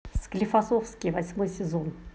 склифосовский восьмой сезон